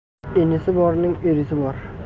inisi borning irisi bor